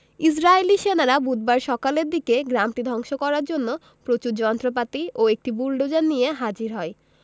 ইসরাইলী সেনারা বুধবার সকালের দিকে গ্রামটি ধ্বংস করার জন্য প্রচুর যন্ত্রপাতি ও একটি বুলোডোজার নিয়ে হাজির হয়